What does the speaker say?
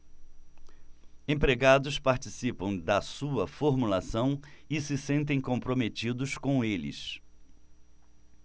empregados participam da sua formulação e se sentem comprometidos com eles